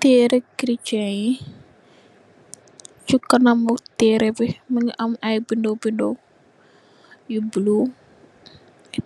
Tërrë kirichee yi, ci kanamu tërrë bi, mu ngi am bindë bindë yu bulu.